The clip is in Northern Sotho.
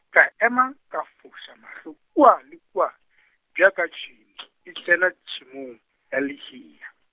ka ema, ka foša mahlo kua le kua, bjaka tšhwene e tsena tšhemong, ya lehea.